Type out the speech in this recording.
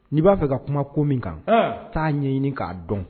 N'i b'a fɛ ka kuma ko min kan i k'a ɲɛɲini k'a dɔn